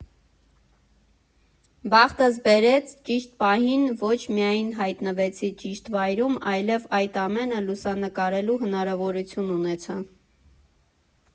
Բախտս բերեց՝ ճիշտ պահին ոչ միայն հայտնվեցի ճիշտ վայրում, այլև այդ ամենը լուսանկարելու հնարավորություն ունեցա։